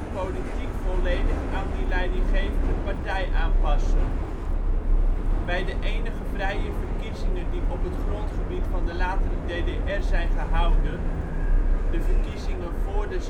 politiek volledig aan die leidinggevende partij aanpassen. Bij de enige vrije verkiezingen die op het grondgebied van de latere DDR zijn gehouden (de verkiezingen voor de